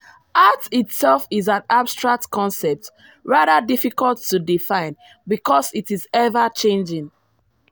Art itself is an abstract concept rather difficult to define because it is ever-changing.